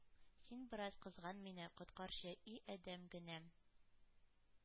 — син бераз кызган мине, коткарчы, и адәмгенәм;